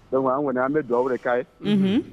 Dɔn an kɔni an bɛ dugawu aw de'a yehun